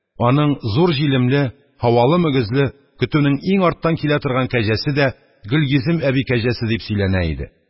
Аның зур җилемле, һавалы мөгезле, көтүнең иң артыннан килә торган кәҗәсе дә «гөлйөзем әби кәҗәсе» дип сөйләнә иде.